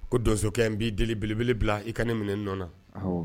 Ko donsokɛ in b'i deli beleb bila i ka ne minɛ nɔ na